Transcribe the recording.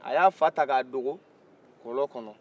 a y'a fa ta ka dogo kɔlɔn kɔnɔ